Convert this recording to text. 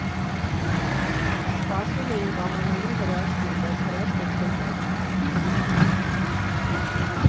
Սպասում էինք Ամանորի հրաշքին, բայց հրաշքը չեկավ։